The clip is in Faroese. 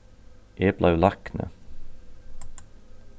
eg bleiv lækni